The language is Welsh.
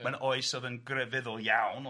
ma'n oes oedd yn grefyddol iawn ia.